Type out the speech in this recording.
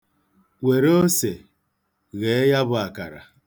Were ose ghee ya bụ akara.